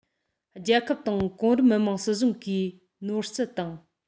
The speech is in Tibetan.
རྒྱལ ཁབ དང གོང རིམ མི དམངས སྲིད གཞུང གིས ནོར སྲིད དང